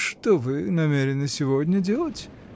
— Что вы намерены сегодня делать?